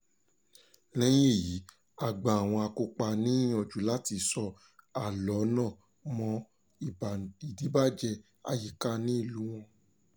Lẹ́yìn èyí, a gba àwọn akópa ní ìyànjú láti so àlọ́ náà mọ́ ìdìbàjẹ́ àyíká ní ìlúu wọn.